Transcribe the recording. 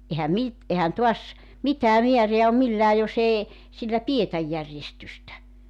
eihän - eihän taas mitään määrää ole millään jos ei sillä pidetä järjestystä